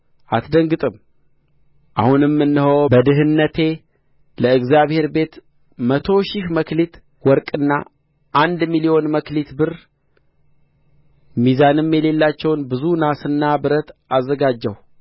አትደንግጥም አሁንም እነሆ በድህነቴ ለእግዚአብሔር ቤት መቶ ሺህ መክሊት ወርቅና አንድ ሚሊዮን መክሊት ብር ሚዛንም የሌላቸው ብዙ ናስና ብረት አዘጋጀሁ